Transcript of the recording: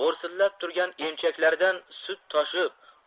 bo'rsillab turgan emchaklaridan sut toshib